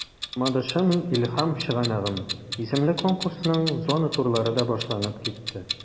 “мамадышым–илһам чыганагым” исемле конкурсның зона турлары да башланып китте.